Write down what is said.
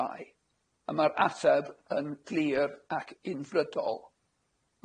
a ma'r ateb yn glir ac unfrydol.